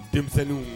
Denmisɛnninw